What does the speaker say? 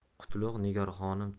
qutlug' nigor xonim